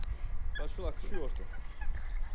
пошла к черту